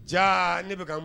Ja ne bɛ